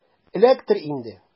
Эләктер инде!